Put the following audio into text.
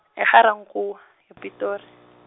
Egarankuwa ePitori.